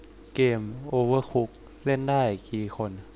เกมโอเวอร์คุกเล่นได้กี่คน